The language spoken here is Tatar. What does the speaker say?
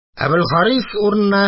Әбелхарис урынына